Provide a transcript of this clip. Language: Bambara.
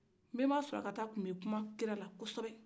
nbenba sulakata kun bɛ kuma kira la kɔsɔ bɛ